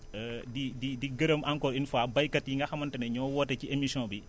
di di di gërëm encore une fois béykat yi nga xamante ne ñoo woote ci émission bi